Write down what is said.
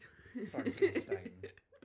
Frankenstein.